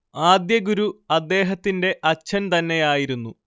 ആദ്യ ഗുരു അദ്ദേഹത്തിന്റെ അച്ഛൻ തന്നെയായിരുന്നു